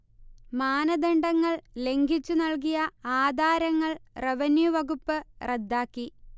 മാനദണ്ഡങ്ങൾ ലംഘിച്ചു നൽകിയ ആധാരങ്ങൾ റവന്യൂ വകുപ്പ് റദ്ദാക്കി